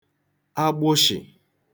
agbụshị̀